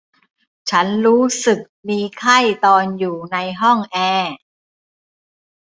ฉันรู้สึกมีไข้ตอนอยู่ในห้องแอร์